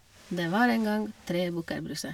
Det var en gang tre bukker Bruse.